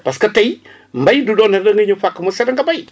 parce que tey mbéy du doon rek da ngay ñëw fàq mu sedd nga béy